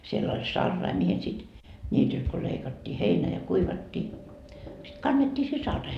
siellä oli sarai mihin sitten niityltä kun leikattiin heinä ja kuivattiin sitten kannettiin se saraisiin